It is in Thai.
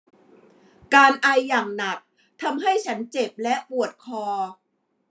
การไออย่างหนักทำให้ฉันเจ็บและปวดคอ